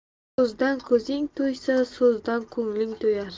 ko'zdan ko'zing toysa so'zdan ko'ngling toyar